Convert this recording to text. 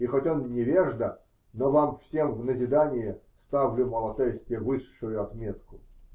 И хоть он невежда, но, вам всем в назидание, ставлю Малатесте высшую отметку.